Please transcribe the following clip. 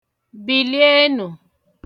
Bilie nu!